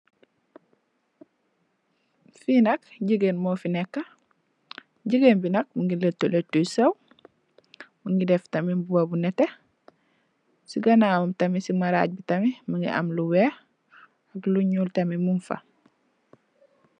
Fi nak jigéen mo fi nekka. Jigéen bi nak mungi lettu-lettu yu sew, mungi def tamit mbuba bu nètè. Ci gannawam tamit ci maraj bi tamit mungi am lu weeh ak lu ñuul tamit mung fa.